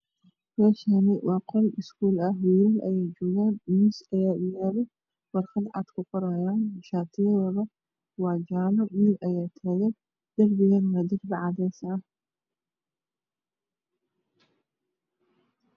Meshani waa qol iskuul ah wiilal ayaa joogaan miis ayaa uyaalo warqad cad kuqorayan shaatiyadoda waa jaalo wiil ayaa taagan darbiguna waa darbi cadees ah